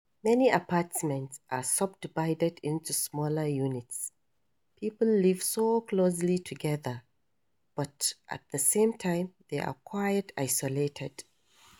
Many apartments are sub-divided into smaller units. People live so closely together, but at the same time, they are quite isolated.